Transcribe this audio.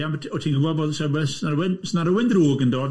O, ti'n gwybod bod s- s- na rywun- s- na rywun ddrwg yndo?